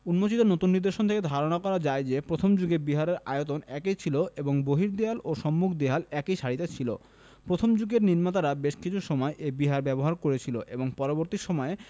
উন্মোচিত নতুন নিদর্শন থেকে ধারণা করা যায় যে প্রথম যুগে বিহারের আয়তন একই ছিল এবং বহির্দেয়াল ও সম্মুখ দেয়াল একই সারিতে ছিল প্রথম যুগের নির্মাতারা বেশ কিছু সময় এ বিহার ব্যবহার করেছিল এবং পরবর্তী সময়ে